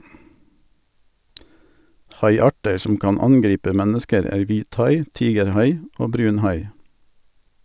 Haiarter som kan angripe mennesker er hvithai, tigerhai og brunhai.